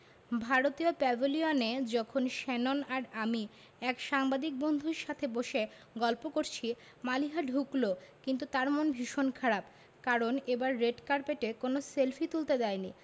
ভারতীয় প্যাভিলিয়নে যখন শ্যানন আর আমি এক সাংবাদিক বন্ধুর সাথে বসে গল্প করছি মালিহা ঢুকলো কিন্তু তার মন ভীষণ খারাপ কারণ এবার রেড কার্পেটে কোনো সেলফি তুলতে দেয়নি